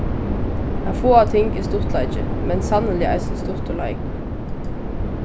at fáa ting er stuttleiki men sanniliga eisini stuttur leikur